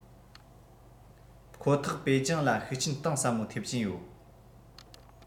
ཁོ ཐག པེ ཅིང ལ ཤུགས རྐྱེན གཏིང ཟབ མོ ཐེབས ཀྱིན ཡོད